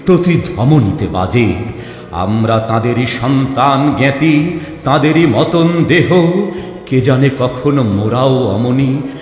প্রতি ধমনীতে রাজে আমরা তাঁদেরি সন্তান জ্ঞাতি তাঁদেরি মতন দেহ কে জানে কখন মোরাও অমনি